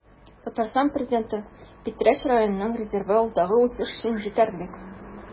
Татарстан Президенты: Питрәч районының резервы алдагы үсеш өчен җитәрлек